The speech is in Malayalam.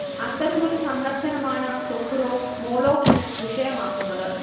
അത്തരമൊരു സന്ദർശനമാണ് സൊഖുറോവ് 'മോളോഖി'ന് വിഷയമാക്കുന്നത്